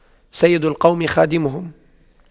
سيد القوم خادمهم